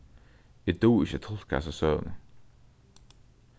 eg dugi ikki at tulka hasa søguna